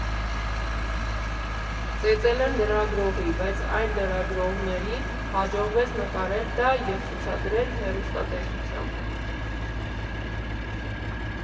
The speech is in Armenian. Ծեծել են լրագրողի, բայց այլ լրագրողների հաջողվեց նկարել դա և ցուցադրել հեռուստատեսությամբ։